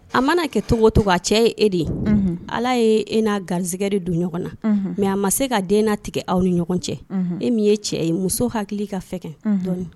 A mana kɛ cogogo to a cɛ ye e de ye ala ye e'a garisɛgɛri don ɲɔgɔn na mɛ a ma se ka den tigɛ aw ni ɲɔgɔn cɛ e min ye cɛ ye muso hakili ka fɛn kɛ